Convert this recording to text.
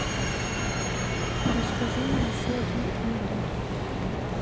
расскажи мне еще один анекдот